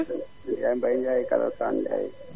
kii de Mbaye Ndiaye Kala Sane Mbaye